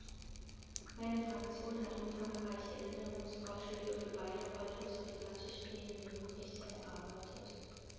Meine Fraktion hat umfangreiche Änderungsvorschläge für beide heute zur Debatte stehenden Berichte erarbeitet.